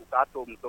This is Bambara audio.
U k'a to